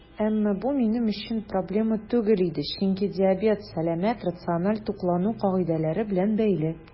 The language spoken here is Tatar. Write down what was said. Әмма бу минем өчен проблема түгел иде, чөнки диабет сәламәт, рациональ туклану кагыйдәләре белән бәйле.